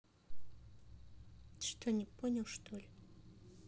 ты что не понял что ли